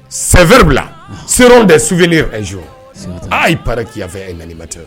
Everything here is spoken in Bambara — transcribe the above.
Sɛ wɛrɛri bila se de suvlenz aa'i pa kyafɛ nanaanii ma tɛ